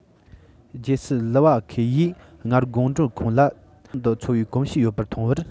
རྗེ སི ལུ སྦ ཁེ ཡིས སྔར སྒོང སྦྲང ཁོངས ལ ཆུ ནང དུ འཚོ བའི གོམས གཤིས ཡོད པ མཐོང བར